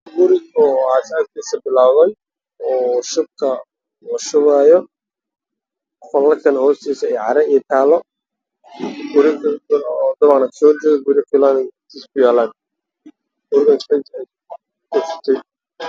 Meeshan waxaa iga muuqdo guri hadda la bilaabay oo suubkiisa hadda lagu shubayo